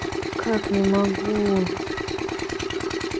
как не могу